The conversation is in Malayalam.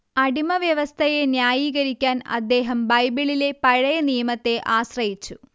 അടിമവ്യവസ്ഥയെ ന്യായീകരിക്കാൻ അദ്ദേഹം ബൈബിളിലെ പഴയനിയമത്തെ ആശ്രയിച്ചു